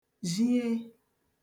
zhie